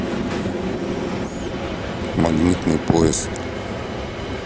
магнитный поезд